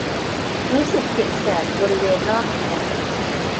รู้สึกเจ็บแสบบริเวณรอบแผล